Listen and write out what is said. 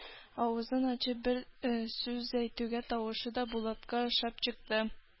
Авызын ачып бер сүз әйтүгә тавышы да Булатка ошап чыкты.